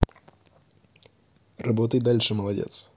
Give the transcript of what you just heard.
работай дальше молодец